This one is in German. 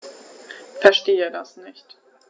Verstehe das nicht.